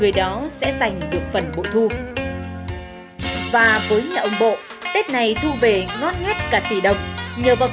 người đó sẽ giành được phần bội thu và với nhà ông bộ tết này thu về ngót nghét cả tỷ đồng nhờ vào